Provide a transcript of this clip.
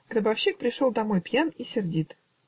Гробовщик пришел домой пьян и сердит.